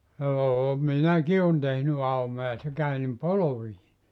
joo minäkin olen tehnyt aumoja se käy niin polviin